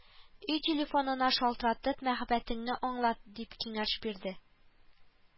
Өй телефонына шалтыратып мәхәббәтеңне аңлат , дип киңәш бирде